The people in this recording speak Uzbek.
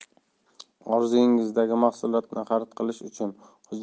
orzungizdagi mahsulotni xarid qilish uchun hujjatlarni